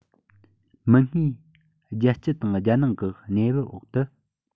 མིག སྔའི རྒྱལ སྤྱི དང རྒྱལ ནང གི གནས བབ འོག ཏུ